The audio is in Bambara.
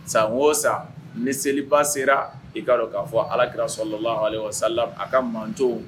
San o sa ni seliba sera i kaa dɔn k'a fɔ alakiraso la ale wa sala a ka manto